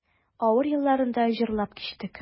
Авыр елларны да җырлап кичтек.